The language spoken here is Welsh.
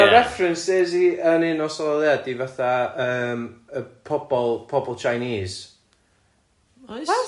Ma' yna references i yn Un Nos Ola Leuad i fatha yym y pobol pobol Chinese. Oes?